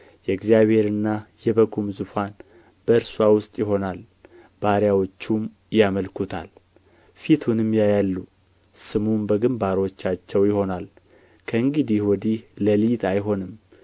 የእግዚአብሔርና የበጉም ዙፋን በእርስዋ ውስጥ ይሆናል ባሪያዎቹም ያመልኩታል ፊቱንም ያያሉ ስሙም በግምባሮቻቸው ይሆናል ከእንግዲህም ወዲህ ሌሊት አይሆንም